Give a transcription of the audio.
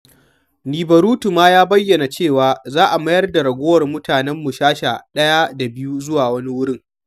Nibarutu ma ya bayyana cewa, za a mayar da ragowar mutanen Mushasha I da II zuwa wani wurin.